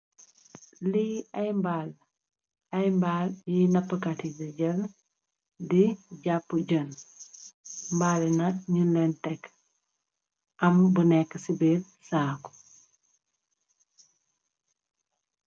Li ay mbal, ay mbal yi napu kat yi di jél di japu jén. Mbal yi nak ñing lèèn tek am bu nekka ci biir sako.